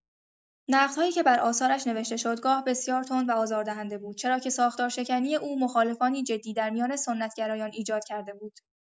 نقدهایی که بر آثارش نوشته شد گاه بسیار تند و آزاردهنده بود، چرا که ساختارشکنی او مخالفانی جدی در میان سنت‌گرایان ایجاد کرده بود.